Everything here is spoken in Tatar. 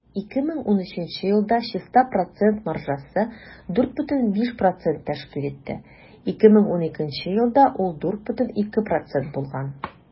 2013 елда чиста процент маржасы 4,5 % тәшкил итте, 2012 елда ул 4,2 % булган.